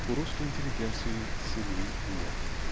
У русской интеллигенции -- семьи нет.